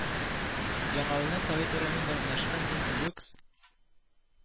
Яңавылның Совет урамында урнашкан Дента Люкс